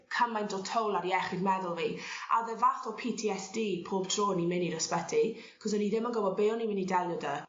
cymaint o toll ar iechyd meddwl fi a o'dd e fath o Pee Tee Ess Dee pob tro o'n i'n myn' i'r ysbyty 'c'os o'n i ddim yn gwbo be' o'n i myn' i delio 'dy